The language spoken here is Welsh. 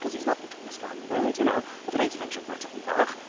‘cause he’s not the tallest man in the world, you know? Oedd rhaid i fe dringo tipyn bach.